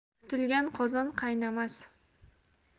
kutilgan qozon qaynamas